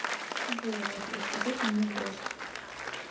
джой вот приходи ко мне в гости